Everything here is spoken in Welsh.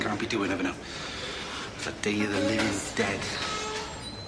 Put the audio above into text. Can't be doing efo nw. The day of the livin' dead.